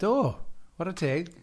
Do, ware teg.